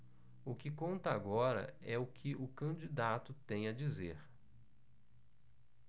o que conta agora é o que o candidato tem a dizer